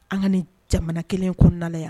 An ka nin jamana kelen kɔnɔna yan